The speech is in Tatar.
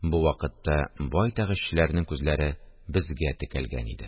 Бу вакытта байтак эшчеләрнең күзләре безгә текәлгән иде